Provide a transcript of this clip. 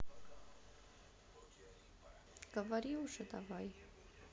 говори уже давай